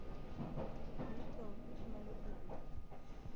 литл бик на ютюбе